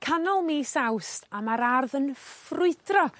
Canol mis Awst a ma'r ardd yn ffrwydro